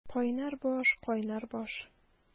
Кайнар баш, кайнар баш!